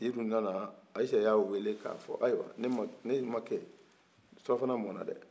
sedu nana ayise y'a weele ka fɔ ayiwa ne macɛ surafana mɔna dɛɛ